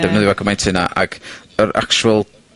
defnyddio gymaint â 'na, ag, yr actual